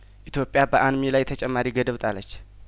ኢትዮጵያ በአንሚ ላይ ተጨማሪ ገደብ ጣለች